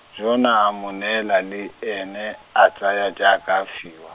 Jona a mo neela le, ene, a tsaya jaaka a fiwa.